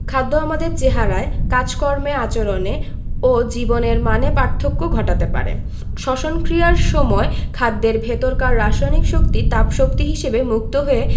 খাদ্য আমাদের চেহারায় কাজকর্মে আচরণে ও জীবনের মানে পার্থক্য ঘটাতে পারে শ্বসন ক্রিয়ার সময় খাদ্যের ভেতরকার রাসায়নিক শক্তি তাপ শক্তি হিসেবে মুক্ত হয়ে